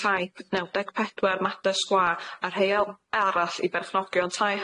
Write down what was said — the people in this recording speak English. tai naw deg pedwar made sgwâr a rheol arall i berchnogion tai